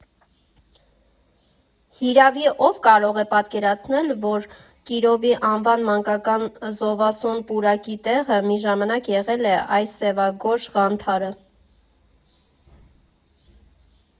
«Հիրավի, ով կարող է պատկերացնել, որ Կիրովի անվան մանկական զովասուն պուրակի տեղը մի ժամանակ եղել է այս սևագորշ «Ղանթարը»։